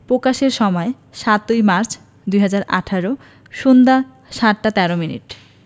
প্রকাশের সময় ০৭মার্চ ২০১৮ সন্ধ্যা ৭টা ১৩ মিনিট